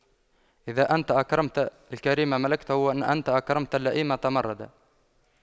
إذا أنت أكرمت الكريم ملكته وإن أنت أكرمت اللئيم تمردا